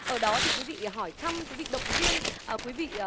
ở đó thì quý vị hỏi thăm quý vị động viên ờ quý vị